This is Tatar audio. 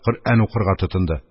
Коръән укырга тотынды